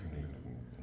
gën leen a gunge